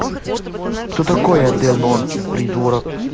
кто такой адель норм придурок